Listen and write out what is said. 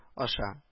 Аша